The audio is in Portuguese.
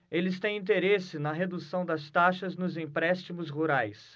eles têm interesse na redução das taxas nos empréstimos rurais